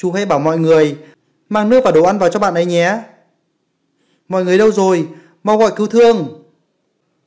chú hãy bảo mọi người mang nước và đồ ăn vào cho bạn ấy nhé mọi người đâu rồi nau gọi cứu thương